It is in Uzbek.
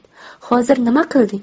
hozir nima qilding